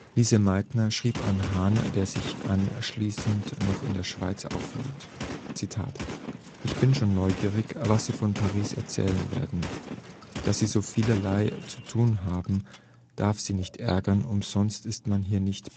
Lise Meitner schrieb an Hahn, der sich anschließend noch in der Schweiz aufhielt: „ Ich bin schon neugierig, was Sie von Paris erzählen werden. Dass Sie so vielerlei zu tun haben, darf Sie nicht ärgern, umsonst ist man nicht